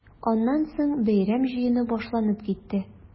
Аннан соң бәйрәм җыены башланып китте.